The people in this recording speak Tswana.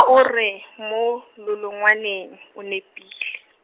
-re mo, lolongwaneng, o nepile.